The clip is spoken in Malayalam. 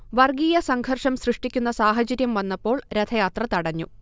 വർഗീയസംഘർഷം സൃഷ്ടിക്കുന്ന സാഹചര്യം വന്നപ്പോൾ രഥയാത്ര തടഞ്ഞു